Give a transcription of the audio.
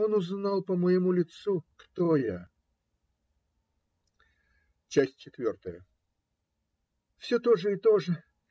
Он узнал по моему лицу, кто я. Часть четвертая. Все то же и то же.